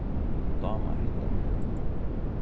dáma hetta